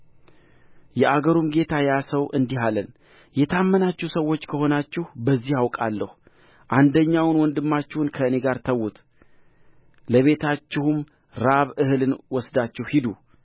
የአገሩም ጌታ ያ ሰው እንዲህ አለን የታመናችሁ ሰዎች ከሆናችሁ በዚህ አውቃለሁ አንደኛውን ወንድማችሁን ከእኔ ጋር ተዉት ለቤታችሁም ራብ እህልን ወስዳችሁ ሂዱ